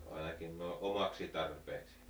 ainakin noin omaksi tarpeeksi